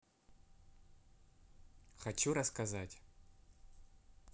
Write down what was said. хочу рассказать